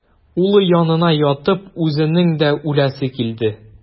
Улы янына ятып үзенең дә үләсе килде.